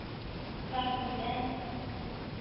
Мәрхүмнән